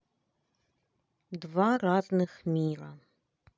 два разных мира